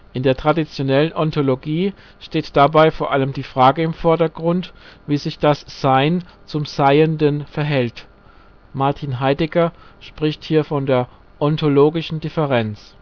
In der traditionellen Ontologie steht dabei vor allem die Frage im Vordergrund, wie sich das Sein zum Seienden verhält (Martin Heidegger spricht hier von der ontologischen Differenz